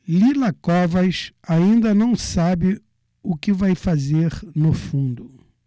lila covas ainda não sabe o que vai fazer no fundo